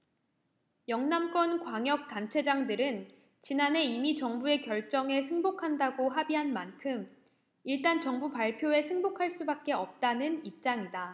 영남권 광역단체장들은 지난해 이미 정부의 결정에 승복한다고 합의한 만큼 일단 정부 발표에 승복할 수밖에 없다는 입장이다